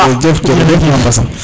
jerejef jerejef Mame Mbasa